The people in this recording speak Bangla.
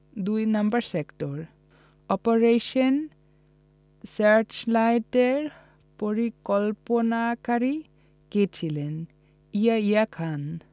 দুই নম্বর সেক্টর অপারেশন সার্চলাইটের পরিকল্পনাকারী কে ছিল ইয়াহিয়া খান